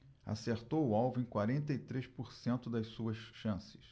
acertou o alvo em quarenta e três por cento das suas chances